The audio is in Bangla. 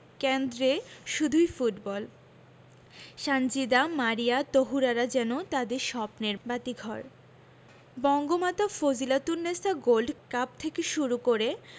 কেন্দ্রে শুধুই ফুটবল সানজিদা মারিয়া তহুরারা যেন তাদের স্বপ্নের বাতিঘর বঙ্গমাতা ফজিলাতুন্নেছা গোল্ড কাপ থেকে শুরু করে